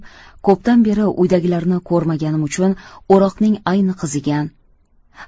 ko'pdan beri uydagilarni ko'rmaganim uchun o'roqning ayni qizigan